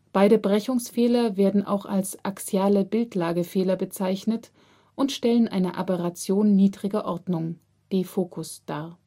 Beide Brechungsfehler werden auch als axiale Bildlagefehler bezeichnet und stellen eine Aberration niedriger Ordnung (Defocus) dar